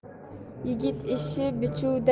yigit ishi bichuvda